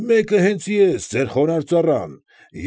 Մեկը հենց ես, ձեր խոնարհ ծառան։